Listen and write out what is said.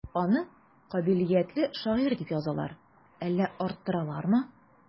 Аны кабилиятле шагыйрь дип язалар, әллә арттыралармы?